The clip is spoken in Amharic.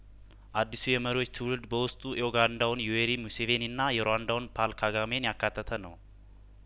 አዲሱ የመሪዎች ትውልድ በውስጡ የኡጋንዳውን ዩዌሪ ሙሴቬኒና የሩዋንዳውን ፓል ካጋሜን ያካተተ ነው